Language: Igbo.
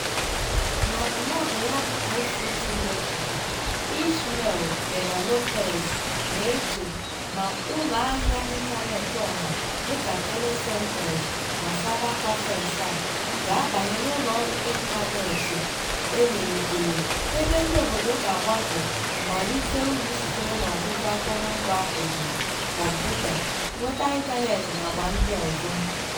Na blọọgụ ya bụ ICTlogy, Ismael Peña-López na-eche ma ụlọahịa ịntaneetị ọha dịka telecentres na cybercafés a ga-abanye na ụlọọrụ ịntaneetị e melitere, “ebe ndị obodo ga-agbakọ̀ ma rite uru sitere n'ọtụtụ akụrụngwa obodo, kọmputa, nnweta ịntaneetị nakwa ndị ọzọ?